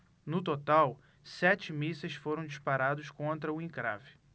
no total sete mísseis foram disparados contra o encrave